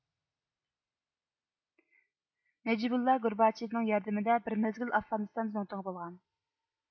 نەجىبۇللا گورباچېۋنىڭ ياردىمىدە بىر مەزگىل ئافغانىستان زۇڭتۇڭى بولغان